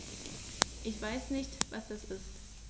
Ich weiß nicht, was das ist.